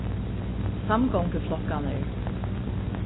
samgonguflokkarnir